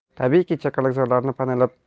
tabiiyki chakalakzorni panalab